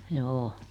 joo